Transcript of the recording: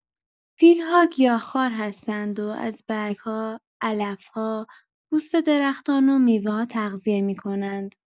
فیل‌ها گیاه‌خوار هستند و از برگ‌ها، علف‌ها، پوست درختان و میوه‌ها تغذیه می‌کنند.